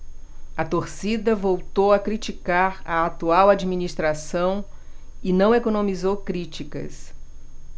a torcida voltou a criticar a atual administração e não economizou críticas